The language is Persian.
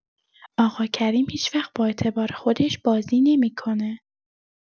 آقا کریم هیچوقت با اعتبار خودش بازی نمی‌کنه.